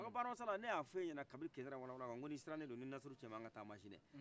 a ko bakari hama sala ne y'a f'e ɲɛna kabi kindra wala kan ko ni sirannedo ni sasuru tiyɛnna an ka taa masina